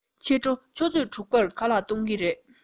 ཕྱི དྲོ ཆུ ཚོད དྲུག པར ཁ ལག གཏོང གི རེད